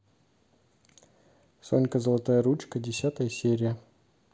сонька золотая ручка десятая серия